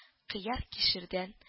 Кыяр-кишердән